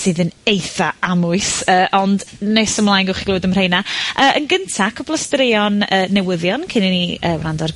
sydd yn eitha amwys, yy ond, nes ymlaen gewch chi glywed am rheina. Yy yn gynta cwpwl o straeon yy newyddion cyn i ni yy wrando ar...